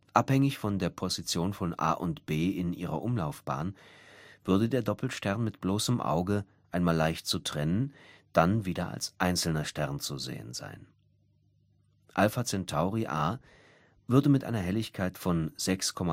Abhängig von der Position von A und B in ihren Umlaufbahnen würde der Doppelstern mit bloßem Auge einmal leicht zu trennen, dann wieder als ein einzelner Stern zu sehen sein. Alpha Centauri A würde mit einer Helligkeit von −6,52m